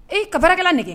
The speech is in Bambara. Ee ka baarakɛla nɛgɛge